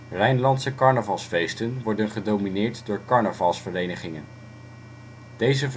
Rijnlandse carnavalsfeesten worden gedomineerd door carnavalsverenigingen. Deze verenigen